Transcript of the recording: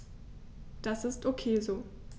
Das ist ok so.